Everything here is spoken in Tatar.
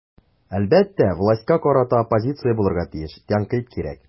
Әлбәттә, властька карата оппозиция булырга тиеш, тәнкыйть кирәк.